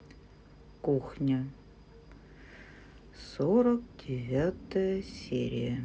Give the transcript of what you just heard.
кухня сорок девятая серия